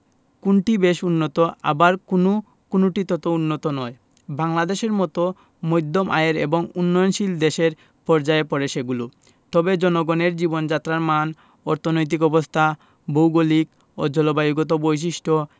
কোনটি বেশ উন্নত আবার কোনো কোনোটি তত উন্নত নয় বাংলাদেশের মতো মধ্যম আয়ের এবং উন্নয়নশীল দেশের পর্যায়ে পড়ে সেগুলো তবে জনগণের জীবনযাত্রার মান অর্থনৈতিক অবস্থা ভৌগলিক ও জলবায়ুগত বৈশিষ্ট্য